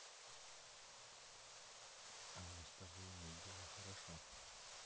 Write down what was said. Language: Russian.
а мне с тобой иметь дело хорошо